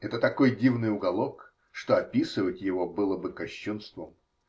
Это такой дивный уголок, что описывать его было бы кощунством.